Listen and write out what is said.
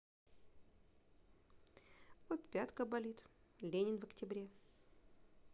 вот пятка болит ленин в октябре